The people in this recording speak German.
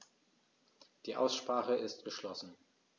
Die Aussprache ist geschlossen.